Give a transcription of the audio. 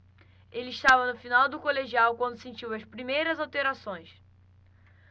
ele estava no final do colegial quando sentiu as primeiras alterações